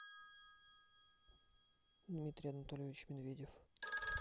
дмитрий анатольевич медведев